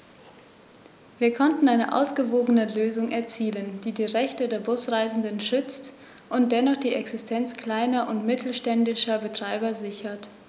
Wir konnten eine ausgewogene Lösung erzielen, die die Rechte der Busreisenden schützt und dennoch die Existenz kleiner und mittelständischer Betreiber sichert.